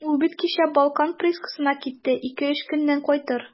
Ул бит кичә «Балкан» приискасына китте, ике-өч көннән кайтыр.